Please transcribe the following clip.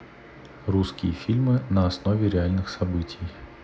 русские фильмы на основе реальных событий